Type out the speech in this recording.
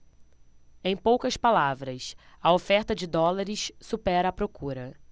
em poucas palavras a oferta de dólares supera a procura